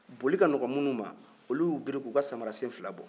boli ka nɔgɔ minnu ma olu biri k'u ka samarasen fila bɔ